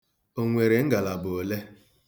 O nwere ngalaba ole?